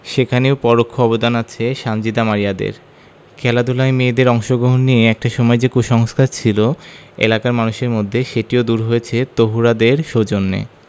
সেখানেও পরোক্ষ অবদান আছে সানজিদা মারিয়াদের খেলাধুলায় মেয়েদের অংশগ্রহণ নিয়ে একটা সময় যে কুসংস্কার ছিল এলাকার মানুষের মধ্যে সেটিও দূর হয়েছে তহুরাদের সৌজন্যে